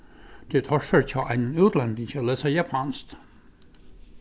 tað er torført hjá einum útlendingi at lesa japanskt